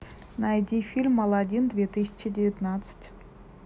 найди фильм аладин две тысячи девятнадцать